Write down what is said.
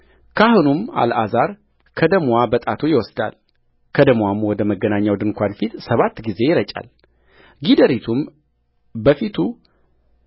ካህኑም አልዓዛር ከደምዋ በጣቱ ይወስዳል ከደምዋም ወደ መገናኛው ድንኳን ፊት ሰባት ጊዜ ይረጫልጊደሪቱም በፊቱ